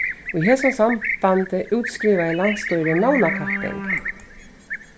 í hesum sambandi útskrivaði landsstýrið navnakapping